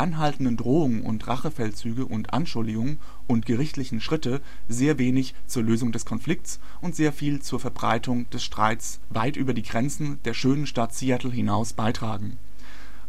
anhaltenden Drohungen und Rachefeldzüge und Anschuldigungen und gerichtlichen Schritte sehr wenig zur Lösung des Konflikts und sehr viel zur Verbreitung des Streits weit über die Grenzen der schönen Stadt Seattle hinaus beitragen;